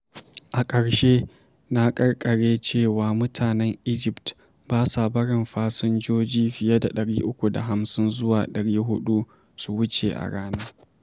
A ƙarshe na ƙarƙare cewa, mutanen Egypt ba sa barin fasinjoji fiye da 350 zuwa 400 su wuce a rana.